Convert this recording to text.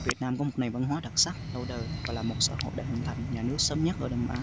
việt nam có một nền văn hóa đặc sắc lâu đời và là một xã hội đã hình thành nhà nước sớm nhất ở đông nam á